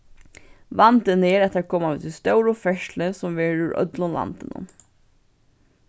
vandin er at tær koma við tí stóru ferðsluni sum verður úr øllum landinum